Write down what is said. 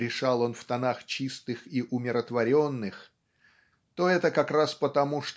решал он в тонах чистых и умиротворенных то это как раз потому